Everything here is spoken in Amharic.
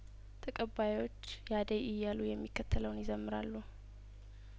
ተቀባዮች ያደይ እያሉ የሚከተለውን ይዘምራሉ